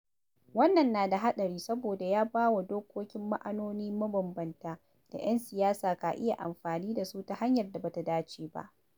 Wannan na da haɗari saboda ya ba wa dokokin ma'anoni mabambamta da 'yan siyasa ka iya amfani da su ta hanyar da ba ta dace ba.